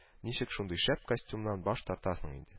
Ничек шундый шәп костюмнан баш тартасың инде